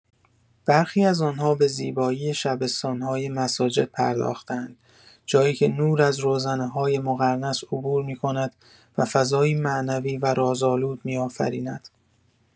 برخی از آن‌ها به زیبایی شبستان‌های مساجد پرداخته‌اند، جایی که نور از روزنه‌های مقرنس عبور می‌کند و فضایی معنوی و رازآلود می‌آفریند.